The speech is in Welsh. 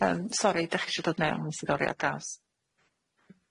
Yym sori 'dach chi isio dod mewn, nes i ddori ar draws?